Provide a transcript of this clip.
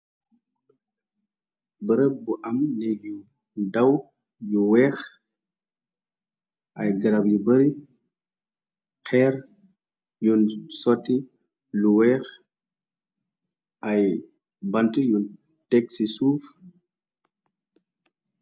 bereb bu am nég yu daw yu weex ay garaw yu bari xeer yun soti lu weex ay bant yun teg ci suuf